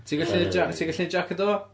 Ti'n gallu wneud ja- ti'n gallu wneud Jac y Do?